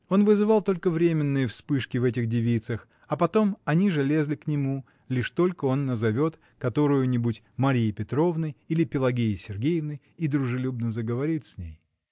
Он вызывал только временные вспышки в этих девицах, а потом они же лезли к нему, лишь только он назовет которую-нибудь Марьей Петровной или Пелагеей Сергеевной и дружелюбно заговорит с ней.